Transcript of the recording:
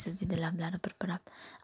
dedi lablari pirpirab